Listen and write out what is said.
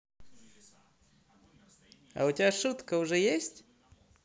а у тебя шутка уже есть